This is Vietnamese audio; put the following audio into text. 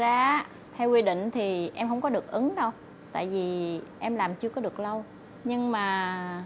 thực ra á theo quy định thì em không có được ứng đâu tại vì em làm chưa có được lâu nhưng mà